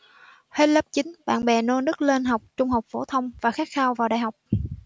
hết lớp chín bạn bè nô nức lên học trung học phổ thông và khát khao vào đại học